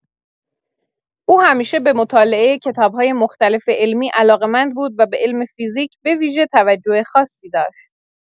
او همیشه به مطالعه کتاب‌های مختلف علمی علاقه‌مند بود و به علم فیزیک به‌ویژه توجه خاصی داشت.